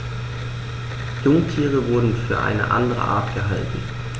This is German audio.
Jungtiere wurden für eine andere Art gehalten.